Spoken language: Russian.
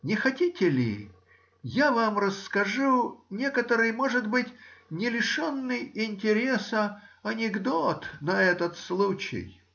Не хотите ли, я вам расскажу некоторый, может быть не лишенный интереса, анекдот на этот случай.